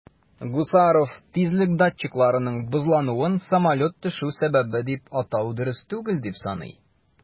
Гусаров тизлек датчикларының бозлануын самолет төшү сәбәбе дип атау дөрес түгел дип саный.